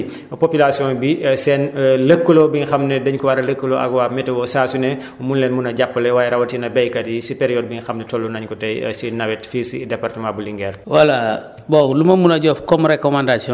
nga ñaax tey béykat yi waaye nga ñaax aussi population bi seen lëkkaloo bi nga xam ne dañ ko war a lëkkaloo ak waa météo saa su ne mu mun leen mun a jàppale waaye rawatina béykat yi si période bi nga xam ne toll nañu ko te si nawet fii si département bu Linguère